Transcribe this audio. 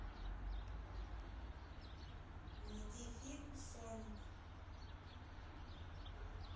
найди фильм соник